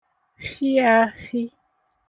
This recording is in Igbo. fhị afhị